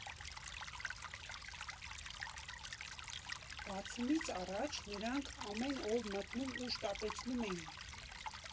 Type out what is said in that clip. Բացումից առաջ նրանք ամեն օր մտնում ու շտապեցնում էին.